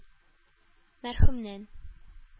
Мәрхүмнән